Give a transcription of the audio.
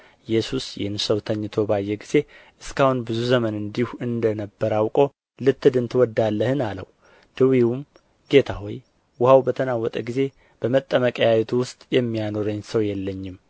ኢየሱስ ይህን ሰው ተኝቶ ባየ ጊዜ እስከ አሁን ብዙ ዘመን እንዲሁ እንደ ነበረ አውቆ ልትድን ትወዳለህን አለው ድውዩም ጌታ ሆይ ውኃው በተናወጠ ጊዜ በመጠመቂያይቱ ውስጥ የሚያኖረኝ ሰው የለኝም